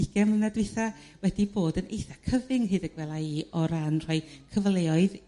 ugen mlynedd d'wytha wedi bod yn eitha' cyfyng hyd y gwela' i o ran rhoi cyfleoedd